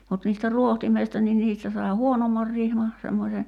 mutta niistä rohtimista niin niistä sai huonomman rihman semmoisen